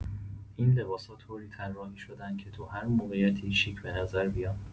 این لباسا طوری طراحی‌شدن که تو هر موقعیتی شیک به‌نظر بیان.